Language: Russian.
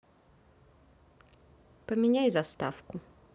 поменяй заставку